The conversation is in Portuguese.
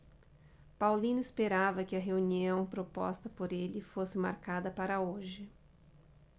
paulino esperava que a reunião proposta por ele fosse marcada para hoje